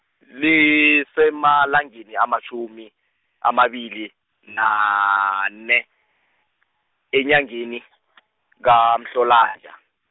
lisemalangeni amatjhumi, amabili nane, enyangeni , kaMhlolanja.